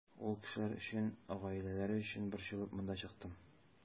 Ул кешеләр өчен, гаиләләре өчен борчылып монда чыктым.